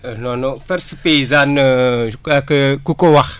non non force paysane je crois que ku ko wax